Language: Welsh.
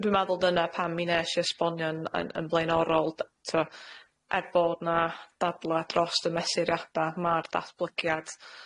Dwi'n meddwl dyna pam mi nesh i esbonio'n yn yn flaenorol d- t'o', er bod 'na dadla' drost y mesuriada, ma'r datblygiad